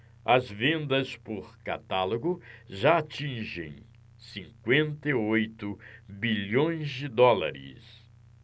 as vendas por catálogo já atingem cinquenta e oito bilhões de dólares